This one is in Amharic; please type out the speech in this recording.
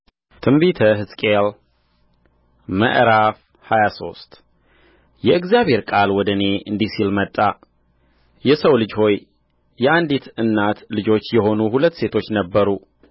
ትንቢተ ሕዝቅኤል ምዕራፍ ሃያ ሶስት የእግዚአብሔር ቃል ወደ እኔ እንዲህ ሲል መጣ የሰው ልጅ ሆይ የአንዲት እናት ልጆች የሆኑ ሁለት ሴቶች ነበሩ